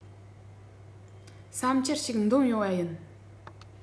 བསམ འཆར ཞིག འདོན ཡོང པ ཡིན